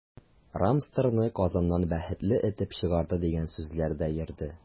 “рамстор”ны казаннан “бәхетле” этеп чыгарды, дигән сүзләр дә йөрде.